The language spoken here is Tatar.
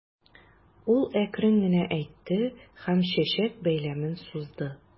Ул әкрен генә әйтте һәм чәчәк бәйләмен сузды.